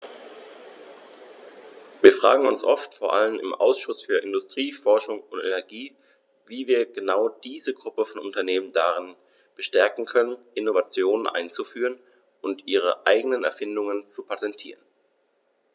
Wir fragen uns oft, vor allem im Ausschuss für Industrie, Forschung und Energie, wie wir genau diese Gruppe von Unternehmen darin bestärken können, Innovationen einzuführen und ihre eigenen Erfindungen zu patentieren.